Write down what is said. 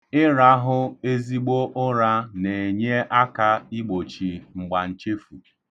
Ịrahụ ezigbo ụra na-enye aka igbochi mgbanchefu.